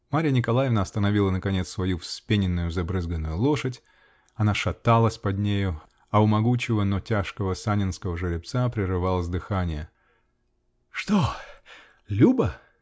Марья Николаевна остановила наконец свою вспененную забрызганную лошадь:она шаталась под нею, а у могучего, но тяжкого санинского жеребца прерывалось дыхание. -- Что? любо?